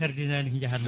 tardinani ko jahanno ɗa